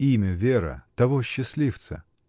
— Имя, Вера, того счастливца?.